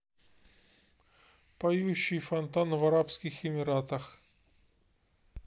поющий фонтан в арабских эмиратах